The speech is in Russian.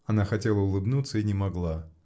— Она хотела улыбнуться и не могла.